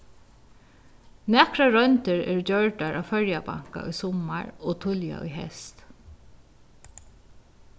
nakrar royndir eru gjørdar á føroyabanka í summar og tíðliga í heyst